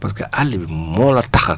parce que àll bi moo la tax a